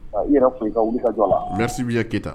Yɛrɛ fo i ka wuli ka jɔ la mɛsi bɛ ye kɛyita